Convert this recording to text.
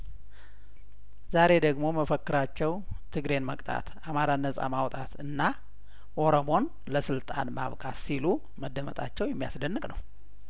ዛሬ ደግሞ መፈ ክራቸው ትግሬን መቅጣት አማራን ነጻ ማውጣት እና ኦሮሞን ለስልጣን ማብቃት ሲሉ መደመጣቸው የሚያስደንቅ ነው